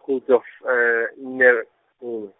kgutlo, nne, nngwe.